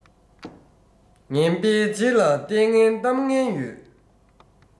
ངན པའི རྗེས ལ ལྟས ངན གཏམ ངན ཡོད